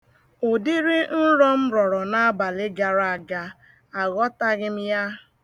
Ụdị nrọ m rọrọ n'abalị gara aga, aghọtaghị m ya.